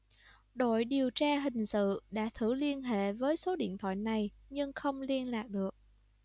đội điều tra hình sự đã thử liên hệ với số điện thoại này nhưng không liên lạc được